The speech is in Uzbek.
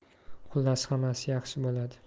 xullas xammasi yaxshi bo'ladi